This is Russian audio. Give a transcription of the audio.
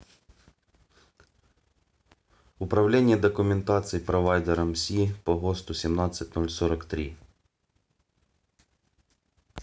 управление документации провайдера мси по госту семнадцать ноль сорок три